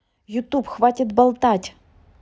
youtube хватит болтать